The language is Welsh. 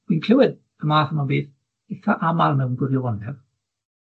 dwi'n clwed y math yma o beth itha amal mewn gwirionedd,